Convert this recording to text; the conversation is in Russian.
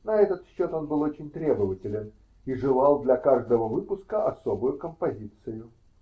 На этот счет он был очень требователен и желал для каждого выпуска особую композицию.